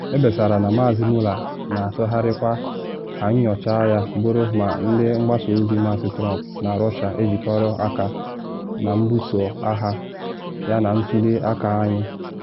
Ekpesara na Maazị Mueller na atụgharịkwa ka nyocha ya bụrụ ma ndị mgbasa ozi Maazị Trump na Russia ejikọrọ aka na mbuso agha ya na ntuli aka anyị.